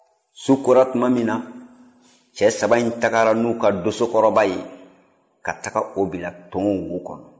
su kora tuma min na cɛ saba in tagara n'u ka dosokɔrɔba ye ka taga o bila nton wo kɔnɔ